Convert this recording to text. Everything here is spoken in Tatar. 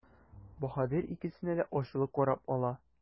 Баһадир икесенә дә ачулы карап ала.